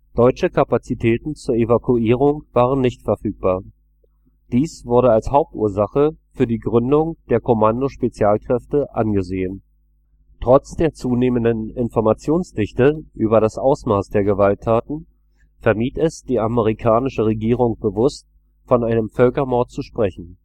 Deutsche Kapazitäten zur Evakuierung waren nicht verfügbar. Dies wurde als Hauptursache für die Gründung der Kommando Spezialkräfte angesehen. Trotz der zunehmenden Informationsdichte über das Ausmaß der Gewalttaten vermied es die amerikanische Regierung bewusst, von einem Völkermord zu sprechen